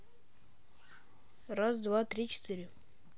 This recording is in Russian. раз два три четыре